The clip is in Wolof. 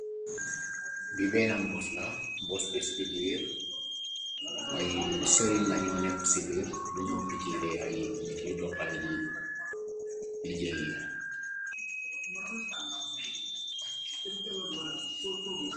bi benn am bos la bospi spij wiir ay sëri ngañu nekku ci biir luñuo pikiree ay ngir li doxal di liggée yi